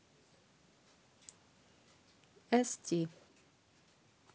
st